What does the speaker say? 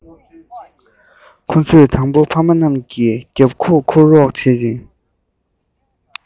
ཁོ ཚོས དང པོ ཕ མ རྣམས ཀྱི རྒྱབ ཁུག འཁུར རོགས བྱེད ཅིང